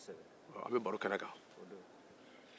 an bɛ baro kɛnɛ kan